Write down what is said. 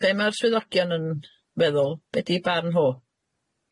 Be' ma'r swyddogion yn feddwl? Be' di barn ho?